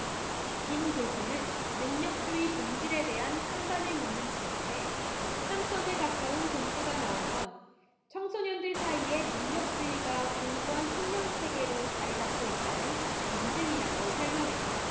김 교수는 능력주의 본질에 대한 찬반을 묻는 질문에 삼 점에 가까운 점수가 나온 건 청소년들 사이에 능력주의가 공고한 신념체계로 자리잡고 있다는 방증이라고 설명했다